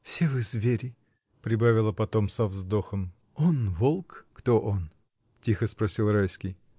— Все вы звери, — прибавила потом со вздохом, — он — волк. — Кто он? — тихо спросил Райский.